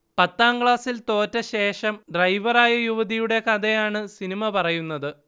പത്താംക്ലാസിൽ തോറ്റശേഷം ഡ്രൈവറായ യുവതിയുടെ കഥയാണ് സിനിമ പറയുന്നത്